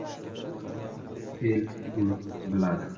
meni el ulus biladi